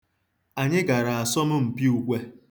Anyị gara asọmpi ukwe.